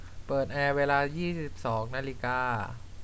เปิดแอร์เวลายี่สิบสองนาฬิกา